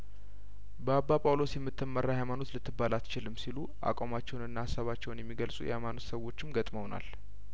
በአባ ጳውሎስ የምትመራ ሀይማኖት ልትባል አት ችልም ሲሉ አቋማቸውንና ሀሳባቸውን የሚገልጹ የሀይማኖት ሰዎችም ገጥመውናል